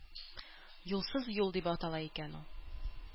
«юлсыз юл» дип атала икән ул.